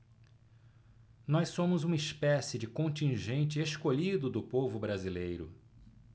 nós somos uma espécie de contingente escolhido do povo brasileiro